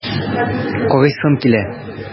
Карыйсым килә!